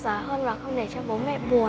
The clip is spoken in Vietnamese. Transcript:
giả hơn và không để cho bố mẹ buồn